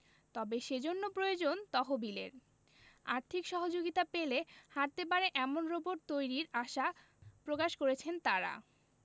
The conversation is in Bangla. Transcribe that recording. তবে সেজন্য প্রয়োজন তহবিলের আর্থিক সহযোগিতা পেলে হাটতে পারে এমন রোবট তৈরির আশা প্রকাশ করেছেন তারা